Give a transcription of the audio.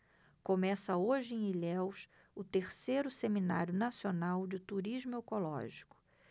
começa hoje em ilhéus o terceiro seminário nacional de turismo ecológico